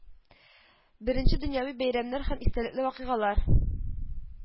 Беренче дөньяви бәйрәмнәр һәм истәлекле вакыйгалар